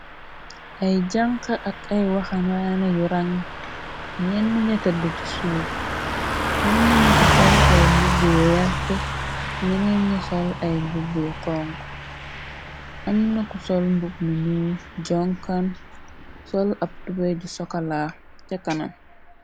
Ay jank ak ay waxan wana yu rang ñenn ñë tëdd ci suur am nañu ca sol ay mbubb yu wert ñene ñu sol ay mbubb yu xong am na ku sol mbug mu nu jonkan sol ab tuber di sokalaax cekanan.